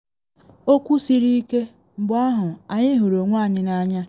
Okwu siri ike ‘mgbe ahụ anyị hụ onwe anyị n’anya’